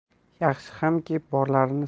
yaxshi hamki borlarini